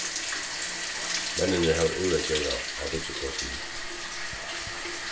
menninir hava úr at gera á byggiplássinum